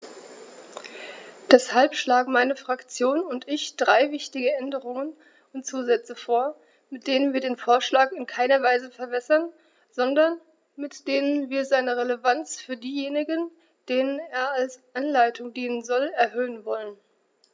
Deshalb schlagen meine Fraktion und ich drei wichtige Änderungen und Zusätze vor, mit denen wir den Vorschlag in keiner Weise verwässern, sondern mit denen wir seine Relevanz für diejenigen, denen er als Anleitung dienen soll, erhöhen wollen.